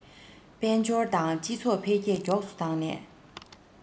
དཔལ འབྱོར དང སྤྱི ཚོགས འཕེལ རྒྱས མགྱོགས སུ བཏང ནས